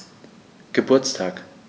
Geburtstag